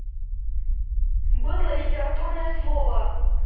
быдло литературное слово